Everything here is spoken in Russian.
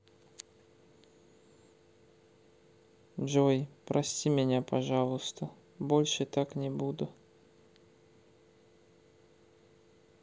джой прости меня пожалуйста больше так не буду